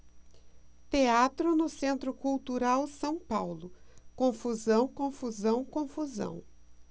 teatro no centro cultural são paulo confusão confusão confusão